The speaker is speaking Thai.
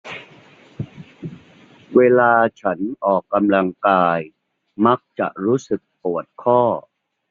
เวลาฉันออกกำลังกายมักจะรู้สึกปวดข้อ